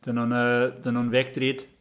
Dan nhw'n yy... dan nhw'n fêc drud?